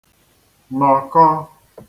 nọ̀kọ